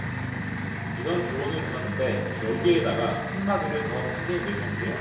이런 조언을 들었는데 여기에다가 한마디를 더 한 게 매서운데요